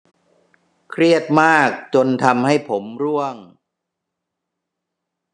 เครียดมากจนทำให้ผมร่วง